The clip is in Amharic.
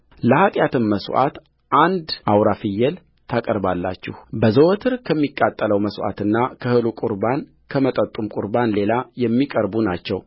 ለኃጢአትም መሥዋዕት አንድ አውራ ፍየል ታቀርባላችሁ በዘወትር ከሚቃጠለው መሥዋዕትና ከእህሉ ቍርባን ከመጠጡም ቍርባን ሌላ የሚቀርቡ ናቸው